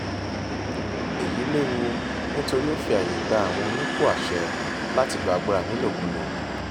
Èyí léwu nítorí ó fi àyè gba àwọn onípò àṣẹ láti lo agbára nílòkulò.